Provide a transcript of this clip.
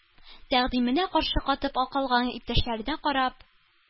Тәкъдименә каршы катып калган иптәшләренә карап: